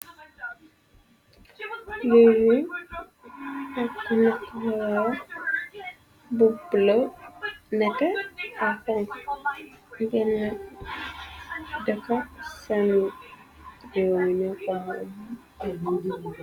Lur anakara bu ble, neke, afang, genna dokka sanu yoni ñokomo.